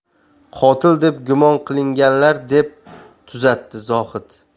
qotil deb gumon qilinganlar deb tuzatdi zohid